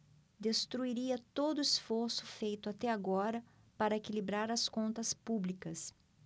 destruiria todo esforço feito até agora para equilibrar as contas públicas